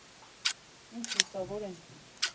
Ինչ լուսավոր են։